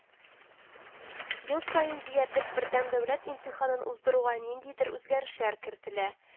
Ел саен диярлек бердәм дәүләт имтиханын уздыруга ниндидер үзгәрешләр кертелә